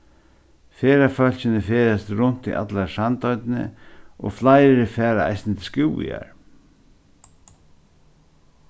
ferðafólkini ferðast runt í allari sandoynni og fleiri fara eisini til skúvoyar